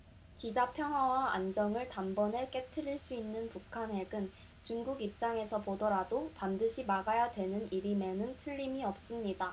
기자 평화와 안정을 단번에 깨뜨릴 수 있는 북한 핵은 중국 입장에서 보더라도 반드시 막아야 되는 일임에는 틀림이 없습니다